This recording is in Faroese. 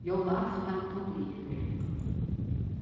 jólaaftan tók yvir